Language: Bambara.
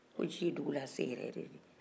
ko ji ye dugu lase yɛrɛ yɛrɛ de